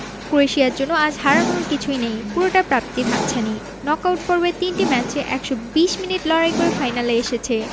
ক্রোয়েশিয়ার জন্য আজ হারানোর কিছু নেই পুরোটাই প্রাপ্তির হাতছানি নক আউট পর্বের তিনটি ম্যাচে ১২০ মিনিট লড়াই করে ফাইনালে এসেছে